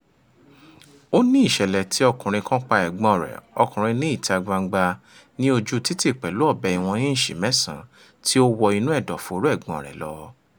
Ó ní ìṣẹ̀lẹ̀ tí ọkùnrin kan pa ẹ̀gbọ́n-ọn rẹ̀ ọkùnrin ní ìta gbangba ní ojúu títì pẹ̀lú ọbẹ̀ ìwọ̀n ínṣì mẹ́sàn-án tí ó wọ inú ẹ̀dọ̀ fóró ẹ̀gbọ́n-ọn rẹ̀ lọ.